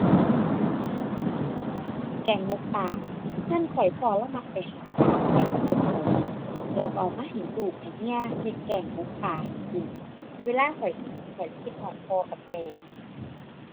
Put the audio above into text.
แกงหมกปลา เรือนข้อยพ่อเลามักไปหาปลายามฝนตก แล้วเรือนเอามาให้ลูกให้เมียเฮ็ดแกงหมกปลาให้กิน เวลาข้อยเห็นข้อยเลยคิดฮอดพ่อกับแม่